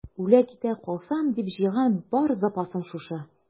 Үлә-китә калсам дип җыйган бар запасым шушы.